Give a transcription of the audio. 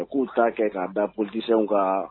A k'u taa kɛ ka da politsiɲɛ ka